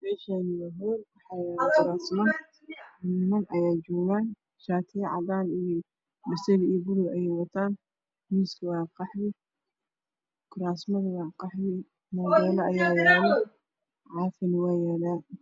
Meeshaani waa hool waxaa yaalo miiska waa qaxwi kuraasman ayaa yaalo marayaadao ayaa yaalo